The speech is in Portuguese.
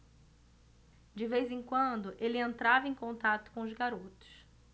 de vez em quando ele entrava em contato com os garotos